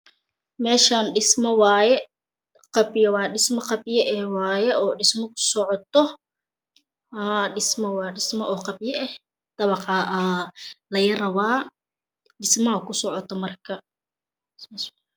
Meshaan dhismo waaye qabyo waye dhismo qabyo eh waaye oo dhismo ku socoto dabaqa laga rabaa dhisma ku socoto marka